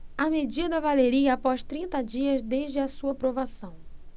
a medida valeria após trinta dias desde a sua aprovação